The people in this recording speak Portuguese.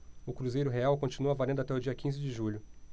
o cruzeiro real continua valendo até o dia quinze de julho